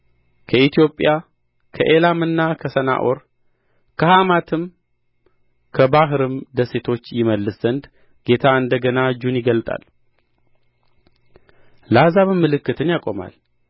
ከኢትዮጵያ ከኤላምና ከሰናዖር ከሐማትም ከባሕርም ደሴቶች ይመልስ ዘንድ ጌታ እንደ ገና እጁን ይገልጣል ለአሕዛብም ምልክትን ያቆማል